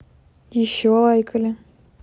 еще лайкали